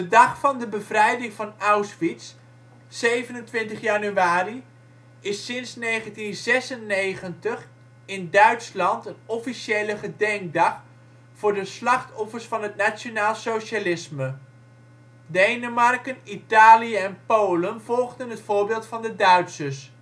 dag van de bevrijding van Auschwitz, 27 januari, is sinds 1996 in Duitsland een officiële gedenkdag voor de slachtoffers van het nationaalsocialisme. Denemarken, Italië en Polen volgden het voorbeeld van de Duitsers